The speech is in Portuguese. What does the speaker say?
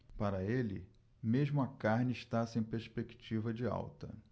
para ele mesmo a carne está sem perspectiva de alta